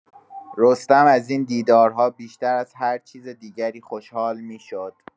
رستم از این دیدارها بیشتر از هر چیز دیگری خوشحال می‌شد.